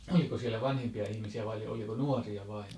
oliko siellä vanhempia ihmisiä vai oliko nuoria vain